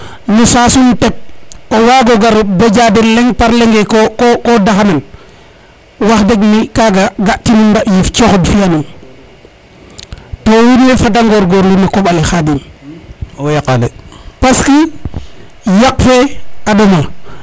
no sasum teɓo wago gar boja den leŋ par leŋ e ko daxanan wax deg mi kaga ga tinum ramb yiif coxod fiyanum to wiin we fada ngongorlu na koɓale Khadim owey yaqa de parce que yaq fe a ɗoma